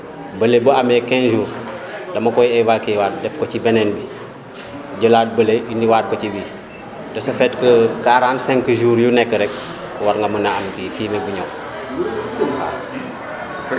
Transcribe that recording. bële bu amee 15 jours dama koy évacué waat def ko ci beneen bi jëlaat bële indiwaat ko ci bii de ce fait que 45 jours yu nekk rek war nga mën a am kii fumier bu ñor